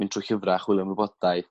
myn trw llyfra chwilio am wybodaeth